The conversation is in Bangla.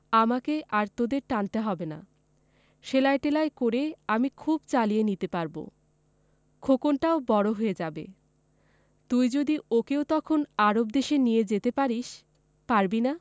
আমাকে আর তোদের টানতে হবে না সেলাই টেলাই করে আমি খুব চালিয়ে নিতে পারব খোকনটাও বড় হয়ে যাবে তুই যদি ওকেও তখন আরব দেশে নিয়ে যেতে পারিস পারবি না